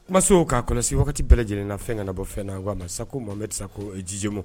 Maso k'a kɔnɔ se wagati bɛɛ lajɛlenna fɛn ka na bɔ fɛn na wa masa sa ko mama disa ko jijimo